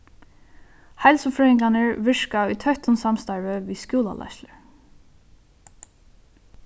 heilsufrøðingarnir virka í tøttum samstarvi við skúlaleiðslur